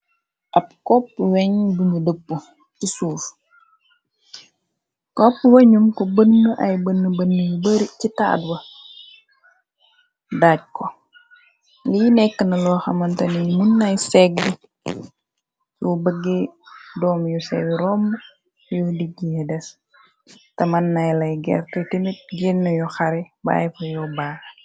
ab kopp weñ buñu dëpp ci suuf copp weñum ko bënn ay bënn bënn yu bari ci taadwa daaj ko li nekk na lo xamantani y munnay segg i yu bëgge doom yu segg rom ruw digine des te mën nay lay ger te tinit génn yu xare baay fa yobbaa